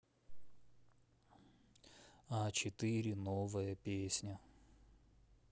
а четыре новая песня